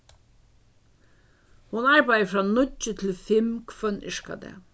hon arbeiðir frá níggju til fimm hvønn yrkadag